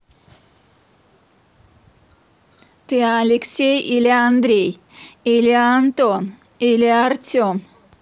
ты алексей или андрей или антон или артем